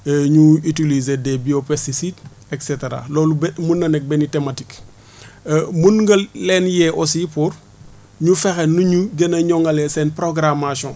ñu utiliser des bio pesticides et cetera loolu ba mun na nekk benn thématique mun nga leen yee aussi pour ñu fexe nu ñu gën a ñoŊalee seen programmation